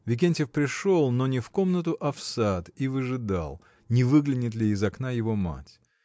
Викентьев пришел, но не в комнату, а в сад, и выжидал, не выглянет ли из окна его мать.